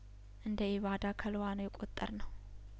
እንደ ኢባዳከልዋ ነው የቆጠር ነው